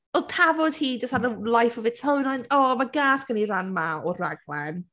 Oedd tafod hi just had a life of its own and... o, mae’n gas gen i rhan 'ma o'r rhaglen.